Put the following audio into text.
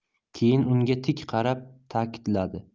keyin unga tik qarab ta'kidladi